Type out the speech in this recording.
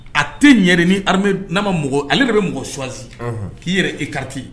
A tɛ ɲɛ ni n'a ma mɔgɔ ale de bɛ mɔgɔ swasi k'i yɛrɛ e kati